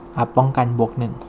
อัพป้องกันบวกหนึ่ง